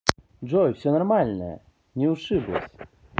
джой все нормально не ушиблась